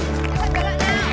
các